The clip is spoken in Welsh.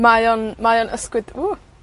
mae o'n, mae o'n ysgwyd, w!